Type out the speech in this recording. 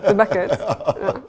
du backa ut ja.